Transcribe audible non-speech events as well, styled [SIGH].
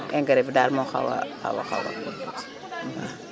engrais bi daal moo xaw a xaw a xaw a kii tuuti [CROSSTALK] waaw